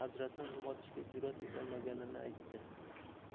da hazratni uyg'otishga jurat etolmaganini aytdi